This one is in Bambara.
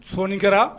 Sɔɔni kɛra